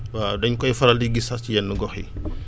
waaw dañ koy faral di gis sax ci yenn gox yi